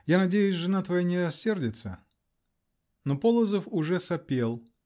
Я надеюсь, жена твоя не рассердится. Но Полозов уже сопел.